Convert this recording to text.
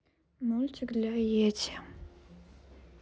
мультик для йети